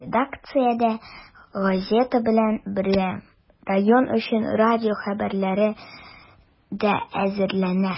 Редакциядә, газета белән бергә, район өчен радио хәбәрләре дә әзерләнә.